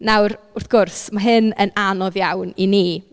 Nawr wrth gwrs ma' hyn yn anodd iawn i ni.